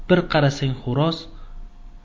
bir karasang xo'roz